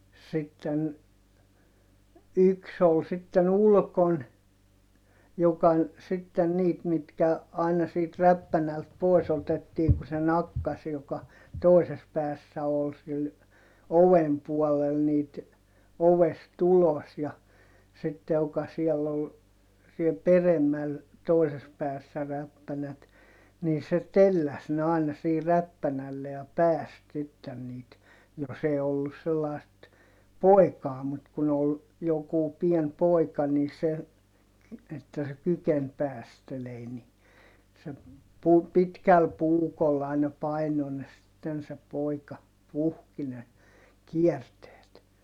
sitten yksi oli sitten ulkona joka sitten niitä mitkä aina siitä räppänältä pois otettiin kun se nakkasi joka toisessa päässä oli sillä oven puolella niitä ovesta ulos ja sitten joka siellä oli siellä peremmällä toisessa päässä räppänät niin se telläsi ne aina siihen räppänälle ja päästi sitten niitä jos ei ollut sellaista poikaa mutta kun oli joku pieni poika niin se että se kykeni päästelemään niin se - pitkällä puukolla aina painoi ne sitten se poika puhki ne kierteet